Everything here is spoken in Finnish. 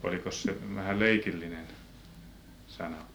olikos se vähän leikillinen sana